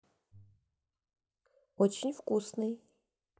очень вкусный